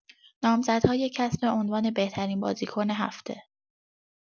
نامزدهای کسب عنوان بهترین بازیکن هفته